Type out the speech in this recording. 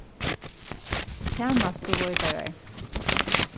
tænastuveitarar